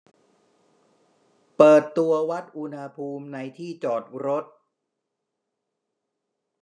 เปิดตัววัดอุณหภูมิในที่จอดรถ